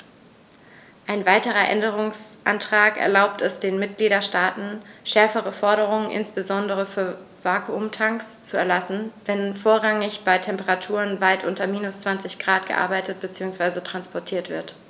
Ein weiterer Änderungsantrag erlaubt es den Mitgliedstaaten, schärfere Forderungen, insbesondere für Vakuumtanks, zu erlassen, wenn vorrangig bei Temperaturen weit unter minus 20º C gearbeitet bzw. transportiert wird.